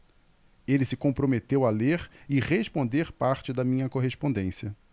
ele se comprometeu a ler e responder parte da minha correspondência